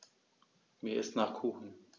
Mir ist nach Kuchen.